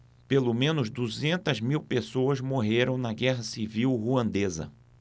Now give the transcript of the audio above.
pelo menos duzentas mil pessoas morreram na guerra civil ruandesa